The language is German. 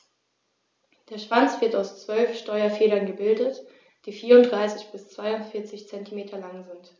Der Schwanz wird aus 12 Steuerfedern gebildet, die 34 bis 42 cm lang sind.